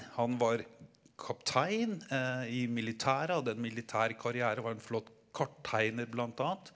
han var kaptein i militæret, hadde en militær karriere, var en flott karttegner blant annet.